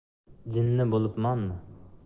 jinni bo'libmanmi